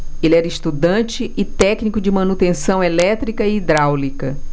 ele era estudante e técnico de manutenção elétrica e hidráulica